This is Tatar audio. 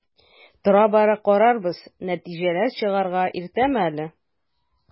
Тора-бара карарбыз, нәтиҗәләр чыгарырга иртәме әле?